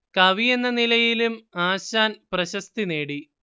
കവി എന്ന നിലയിലും ആശാൻ പ്രശസ്തി നേടി